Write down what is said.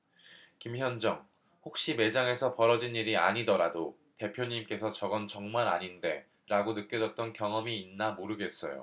김현정 혹시 매장에서 벌어진 일이 아니더라도 대표님께서 저건 정말 아닌데 라고 느껴졌던 경험이 있나 모르겠어요